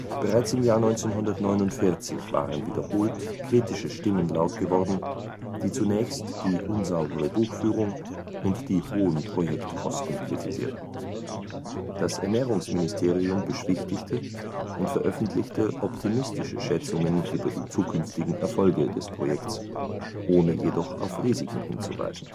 Bereits im Jahr 1949 waren wiederholt kritische Stimmen laut geworden, die zunächst die unsaubere Buchführung und die hohen Projektkosten kritisierten. Das Ernährungsministerium beschwichtigte und veröffentlichte optimistische Schätzungen über die zukünftigen Erfolge des Projekts, ohne jedoch auf Risiken hinzuweisen